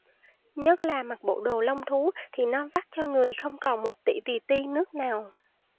nhất là mặc bộ đồ lông thú thì nó vắt cho người không còn một tị tì ti nước nào